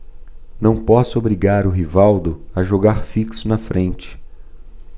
não posso obrigar o rivaldo a jogar fixo na frente